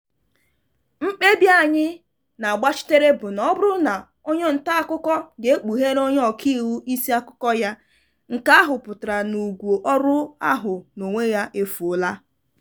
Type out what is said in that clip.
"Mkpebi anyị na-agbachitere bụ na ọ bụrụ na onye ntaakụkọ ga-ekpughere onye ọkaiwu isi akụkọ ya, nke ahụ pụtara na ùgwù ọrụ ahụ n'onwe ya efuola.